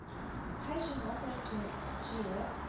Һәр җомга саен җылы җыелып